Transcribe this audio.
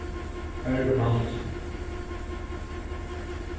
bergur nolsøe